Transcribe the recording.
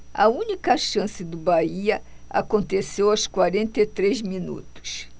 a única chance do bahia aconteceu aos quarenta e três minutos